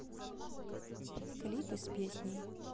клипы с песней